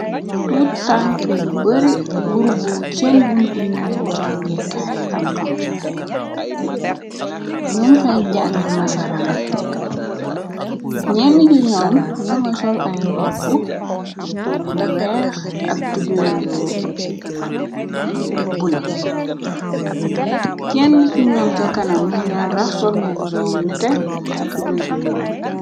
Tuu tank yu bari gurboo cenn buntu nu bu jàngee kaay xam-xam. Nyoom fay jàng nasaraan ñenn yu ñoom ñoonga sol ay ropp yi weex. Ak tub bu la kenn yu ñoom ca kanam mun leen rax. Sol mbubu soo nete ak tubey di nuul.